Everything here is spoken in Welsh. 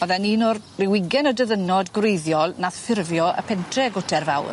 O'dd e'n un o'r ryw ugen o dyddynod gwreiddiol nath ffurfio y pentre Gwter Fawr.